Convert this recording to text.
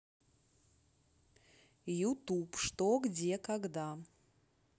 youtube что где когда